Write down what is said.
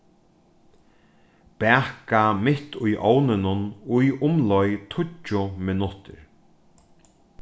baka mitt í ovninum í umleið tíggju minuttir